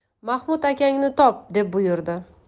mahmud akangni top deb buyurdi